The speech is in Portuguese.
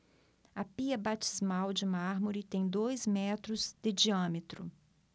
a pia batismal de mármore tem dois metros de diâmetro